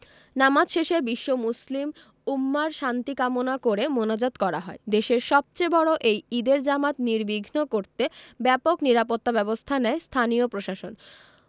নামাজ শেষে বিশ্ব মুসলিম উম্মাহর শান্তি কামনা করে মোনাজাত করা হয় দেশের সবচেয়ে বড় এই ঈদের জামাত নির্বিঘ্ন করতে ব্যাপক নিরাপত্তাব্যবস্থা নেয় স্থানীয় প্রশাসন